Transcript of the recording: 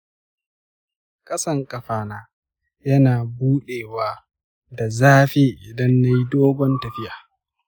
ƙasan kafana yana murɗewa da zafi idan nayi dogon tafiya.